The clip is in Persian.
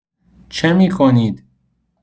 چه می‌کنید؟